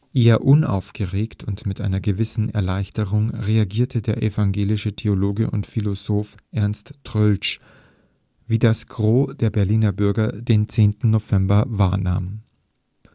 Eher unaufgeregt und mit einer gewissen Erleichterung registrierte der evangelische Theologe und Philosoph Ernst Troeltsch, wie das Gros der Berliner Bürger den 10. November wahrnahm: Am